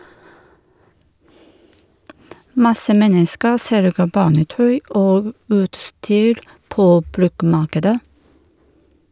Masse mennesker selger barnetøy og - utstyr på bruktmarkedet.